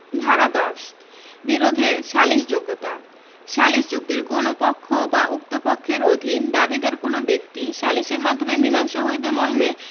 ধারা ১০ বিরোধের সালিসযোগ্যতাঃ সালিস চুক্তির কোন পক্ষ বা উক্ত পক্ষের অধীন দাবীদার কোন ব্যক্তি সালিসের মাধ্যমে মীসাংসা হইবে মর্মে